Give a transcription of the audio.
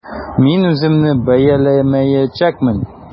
Мин үземне бәяләмәячәкмен.